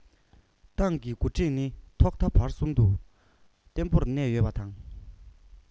ཏང གི འགོ ཁྲིད ནི ཐོག མཐའ བར གསུམ དུ བརྟན པོར གནས ཡོད